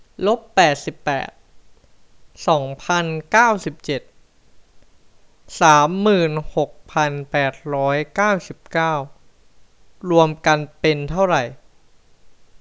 ลบแปดสิบแปดสองพันเก้าสิบเจ็ดสามหมื่นหกพันแปดร้อยเก้าสิบเก้ารวมกันเป็นเท่าไหร่